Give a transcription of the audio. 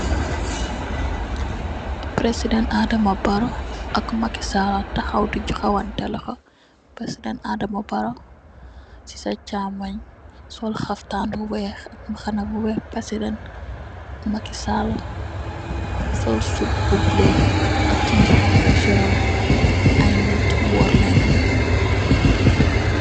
President Adama Barrow ak Maky Sallah taxaw di joxante loxo, president Adama Barrow ci sa caaymoy sol xaptan bu wèèx ak mbàxna bu wèèx. President Maky Sallah sol suit bu bula ak simis bu bula ci ron ay nit war lèèn.